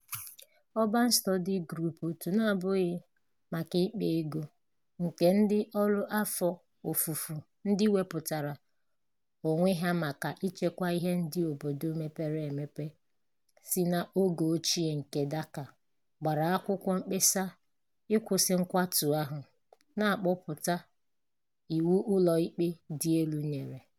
Urban Study Group, òtù na-abụghị maka ịkpa ego nke ndị ọru afọ ofufo ndị wepụtara onwe ha maka ichekwa ihe ndị obodo mepere emepe si n'oge ochie nke Dhaka, gbara akwukwọ mkpesa ịkwụsi nkwatu ahụ, na-akpọpụta iwu Ụlọ Ikpe Di Elu nyere.